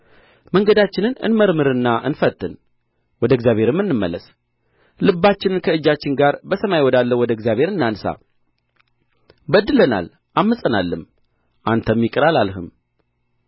መንገዳችንን እንመርምርና እንፈትን ወደ እግዚአብሔርም እንመለስ ልባችንን ከእጃችን ጋር በሰማይ ወዳለው ወደ እግዚአብሔር እናንሣ በድለናል ዐምፀናልም አንተም ይቅር አላልህም